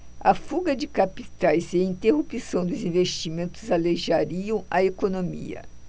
a fuga de capitais e a interrupção dos investimentos aleijariam a economia